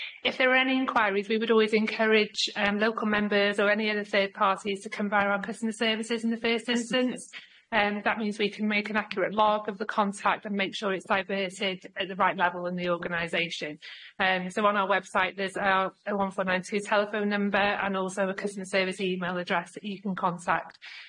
If there are any inquiries we would always encourage um local members or any other third parties to come by our customer services in the first instance, and that means we can make an accurate log of the contact and make sure it's diverted at the right level in the organisation. So on our website there's our oh one four nine two telephone number and also a customer service email address that you can contact.